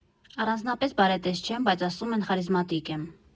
Առանձնապես բարետես չեմ, բայց ասում են՝ խարիզմատիկ եմ։